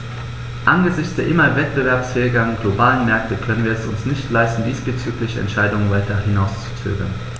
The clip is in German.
Angesichts der immer wettbewerbsfähigeren globalen Märkte können wir es uns nicht leisten, diesbezügliche Entscheidungen weiter hinauszuzögern.